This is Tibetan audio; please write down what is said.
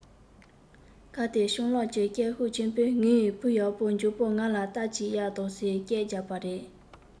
སྐབས དེར སྤྱང ལགས ཀྱིས སྐད ཤུགས ཆེན པོས ངའི བུ ཡག པོ མགྱོགས པོ ང ལ རྟ གཅིག གཡར དང ཟེར སྐད རྒྱབ པ རེད